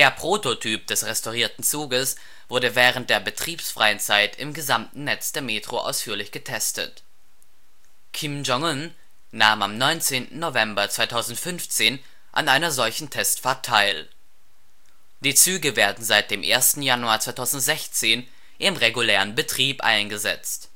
Prototyp des restaurierten Zuges wurde während der betriebsfreien Zeit im gesamten Netz der Metro ausführlich getestet. Kim Jong-un nahm am 19. November 2015 an einer solchen Testfahrt teil. Die Züge werden seit dem 1. Januar 2016 im regulären Betrieb eingesetzt